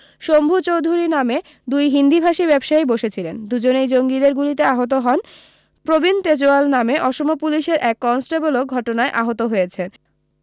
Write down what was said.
শম্ভু চোধুরী নামে দুই হিন্দিভাষী ব্যবসায়ী বসেছিলেন দুজনেই জঙ্গিদের গুলিতে আহত হন প্রবীণ তেজোয়াল নামে অসম পুলিশের এক কনস্টেবলও ঘটনায় আহত হয়েছেন